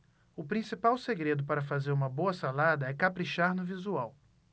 o principal segredo para fazer uma boa salada é caprichar no visual